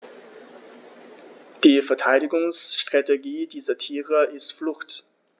Die Verteidigungsstrategie dieser Tiere ist Flucht.